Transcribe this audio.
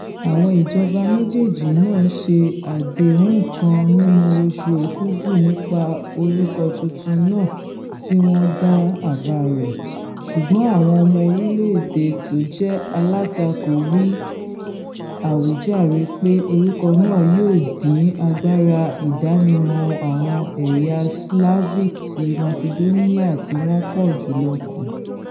Àwọn ìjọba méjèèjì náà ṣe àdéhùn kan nínú oṣù Òkúdu nípa orúkọ tuntun náà tí wọn dá àbá rẹ̀, ṣùgbọ́n àwọn ọmọ orílẹ̀-èdè tójẹ́ alátakò wí àwíjàre pé orúkọ náà yóò dín agbára ìdánimọ̀ àwọn ẹ̀yà Slavic ti Masidóníà tíwọ́n pọ̀ jùlọ kù.